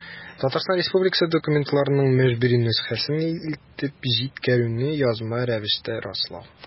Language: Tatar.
Татарстан Республикасы документларының мәҗбүри нөсхәсен илтеп җиткерүне язма рәвештә раслау.